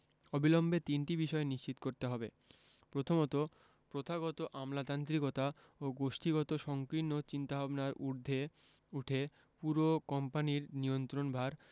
অবিলম্বে তিনটি বিষয় নিশ্চিত করতে হবে প্রথমত প্রথাগত আমলাতান্ত্রিকতা ও গোষ্ঠীগত সংকীর্ণ চিন্তাভাবনার ঊর্ধ্বে উঠে পুরো কোম্পানির নিয়ন্ত্রণভার